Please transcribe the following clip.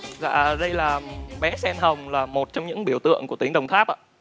dạ đây là bé sen hồng là một trong những biểu tượng của tỉnh đồng tháp ạ